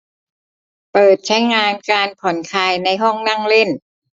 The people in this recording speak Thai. เปิดใช้งานการผ่อนคลายในห้องนั่งเล่น